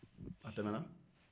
a tɛmɛ na